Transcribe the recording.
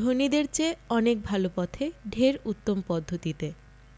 ধনীদের চেয়ে অনেক ভালো পথে ঢের উত্তম পদ্ধতিতে